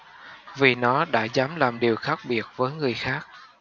vì nó đã dám làm điều khác biệt với người khác